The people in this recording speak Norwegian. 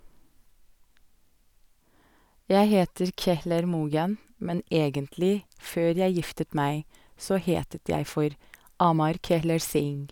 Jeg heter Kehler Moghen, men egentlig, før jeg giftet meg, så het jeg for Amar Kehler Singh.